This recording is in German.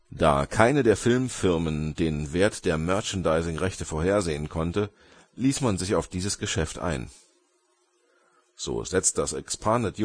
Da keine der Filmfirmen den Wert der Merchandising-Rechte vorhersehen konnte, ließ man sich auf dieses Geschäft ein. So setzt das Expanded